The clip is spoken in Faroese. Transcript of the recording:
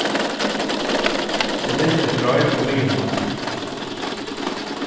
eg bindi eitt reip um miðjuna á tær